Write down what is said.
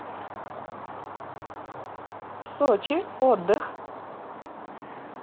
сочи отдых